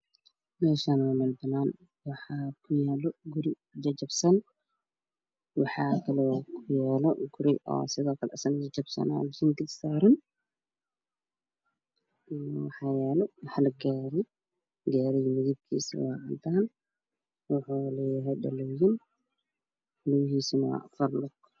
Meeshaan waa meel banaan waxa kuyaalo kuri jajabsan waxaa kale oo ku yaale guri oo sidoo kale asaga jajabsan oo jiingad saaran een waxaa yaalo hal gaari gariga midabkiisana waa cadaan wuxu leeyahay dhalo gaduudan lugihisana waa 4